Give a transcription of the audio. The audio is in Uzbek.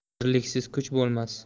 birliksiz kuch bo'lmas